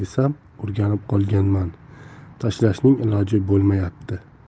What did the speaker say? desam o'rganib qolganman tashlashning iloji bo'lmayapti